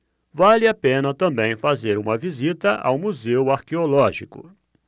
vale a pena também fazer uma visita ao museu arqueológico